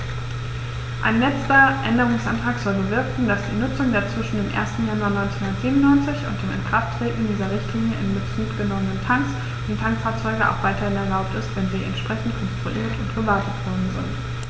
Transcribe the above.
Ein letzter Änderungsantrag soll bewirken, dass die Nutzung der zwischen dem 1. Januar 1997 und dem Inkrafttreten dieser Richtlinie in Betrieb genommenen Tanks und Tankfahrzeuge auch weiterhin erlaubt ist, wenn sie entsprechend konstruiert und gewartet worden sind.